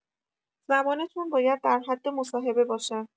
زبانتون باید در حد مصاحبه باشه.